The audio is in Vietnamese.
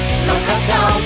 nhau